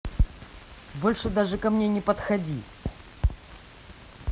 больше даже ко мне не подходи